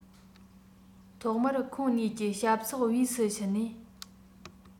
ཐོག མར ཁོང གཉིས ཀྱི བྱ ཚོགས དབུས སུ ཕྱིན ནས